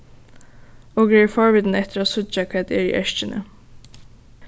okur eru forvitin eftir at síggja hvat er í eskjuni